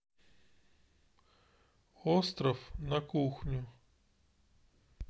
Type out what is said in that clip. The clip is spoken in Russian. остров на кухню